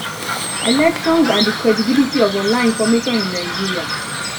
Elections and the credibility of online information in Nigeria